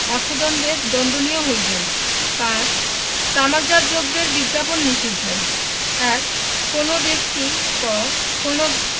অর্থদন্ডে দন্ডনীয় হইবেন ৫ তামাকজপাত দ্রব্যের বিজ্ঞাপন নিষিদ্ধ ১ কোন ব্যক্তি ক কোন